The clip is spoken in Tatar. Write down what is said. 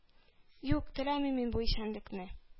Юк, теләмим мин бу «исәнлекне»,